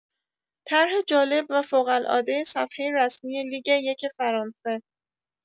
طرح جالب و فوق‌العاده صفحه رسمی لیگ یک فرانسه